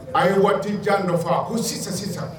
A ye waati jan dɔ nɔfɛ a ko sisan sisan